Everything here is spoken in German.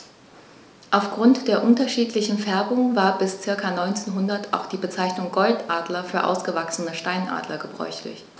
Auf Grund der unterschiedlichen Färbung war bis ca. 1900 auch die Bezeichnung Goldadler für ausgewachsene Steinadler gebräuchlich.